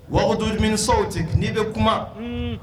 ɲ'ibɛ kuma